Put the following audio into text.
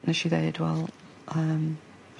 Nesh i ddeud wel yym